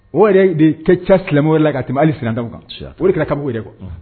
O yɛrɛ de kɛ ca silamɛw la ka tɛmɛ hali silantanw kan, o de kɛra kabako yɛrɛ ye quoi